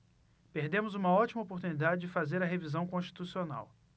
perdemos uma ótima oportunidade de fazer a revisão constitucional